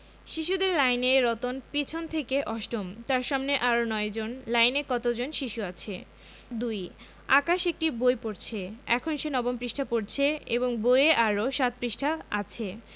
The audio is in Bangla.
শিশুদের লাইনে রতন পিছন থেকে অষ্টম তার সামনে আরও ৯ জন লাইনে কত জন শিশু আছে 2 আকাশ একটি বই পড়ছে এখন সে নবম পৃষ্ঠা পড়ছে এবং বইয়ে আরও ৭ পৃষ্ঠা আছে